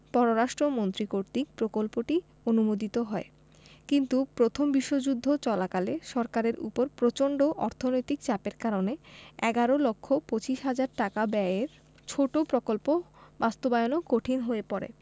পররাষ্ট্র মন্ত্রী কর্তৃক প্রকল্পটি অনুমোদিত হয় কিন্তু প্রথম বিশ্বযুদ্ধকালে সরকারের ওপর প্রচন্ড অর্থনৈতিক চাপের কারণে এগারো লক্ষ পচিশ হাজার টাকা ব্যয়ের ছোট প্রকল্প বাস্তবায়নও কঠিন হয়ে পড়ে